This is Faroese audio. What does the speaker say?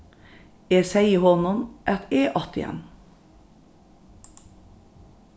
eg segði honum at eg átti hann